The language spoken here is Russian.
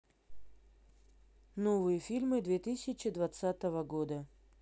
новые фильмы две тысячи двадцатого года